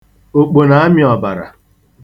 Okpo na-amị ọbara.